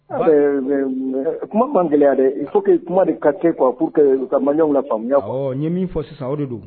Kuma man gɛlɛyaya de fo que kuma de ka kɛ u ka maw na faamuyaya fɔ ye min fɔ sisan o de don